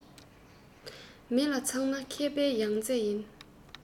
མི ལ ཚང ན མཁས པའི ཡང རྩེ ཡིན